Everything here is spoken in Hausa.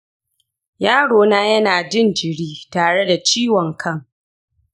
yaro na yana jin jiri tare da ciwon kan.